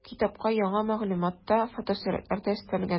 Китапка яңа мәгълүмат та, фотосурәтләр дә өстәлгән.